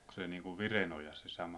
onkos se niin kuin Virenoja se sama